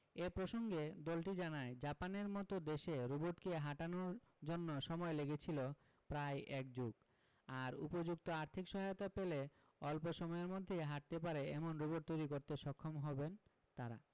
এ প্রসঙ্গে দলটি জানায় জাপানের মতো দেশে রোবটকে হাঁটানোর জন্য সময় লেগেছিল প্রায় এক যুগ আর উপযুক্ত আর্থিক সহায়তা পেলে অল্প সময়ের মধ্যেই হাঁটতে পারে এমন রোবট তৈরি করতে সক্ষম হবেন তারা